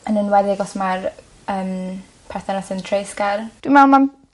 Yn enweddig os ma'r yym perthynas yn treisgar. Dw' me'wl ma'n